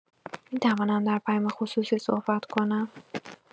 می‌توانم در پیام خصوصی صحبت کنم؟